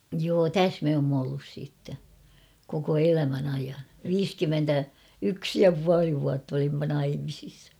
joo tässä me olemme ollut sitten koko elämän ajan viisikymmentä yksi ja puoli vuotta olimme naimisissa